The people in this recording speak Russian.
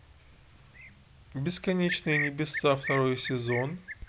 бесконечные небеса второй сезон